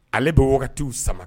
Ale be wagatiw sama